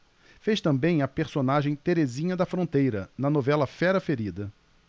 fez também a personagem terezinha da fronteira na novela fera ferida